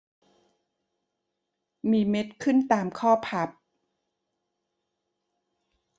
มีเม็ดขึ้นตามข้อพับ